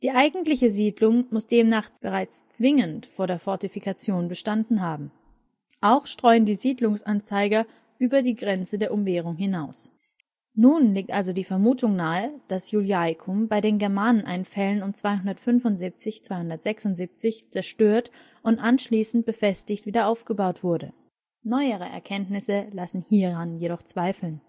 eigentliche Siedlung muss demnach zwingend bereits vor der Fortifikation bestanden haben. Auch streuen die Siedlungsanzeiger über die Grenzen der Umwehrung hinaus. Nun liegt die Vermutung nahe, dass Iuliacum bei den Germaneneinfällen um 275/276 zerstört und anschließend befestigt wieder aufgebaut wurde. Neuere Ergebnisse lassen hieran jedoch zweifeln